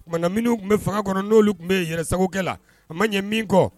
Munna minnu tun bɛ fanga kɔnɔ n'olu tun bɛ yɛrɛsagokɛ la a ma ɲɛ min kɔ